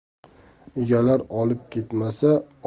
egalari olib ketmasa